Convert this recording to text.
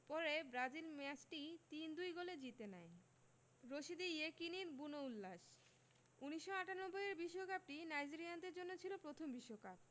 পরে ব্রাজিল ম্যাচটি ৩ ২ গোলে জিতে নেয় রশিদী ইয়েকিনীর বুনো উল্লাস ১৯৯৮ এর বিশ্বকাপটি নাইজেরিয়ানদের জন্য ছিল প্রথম বিশ্বকাপ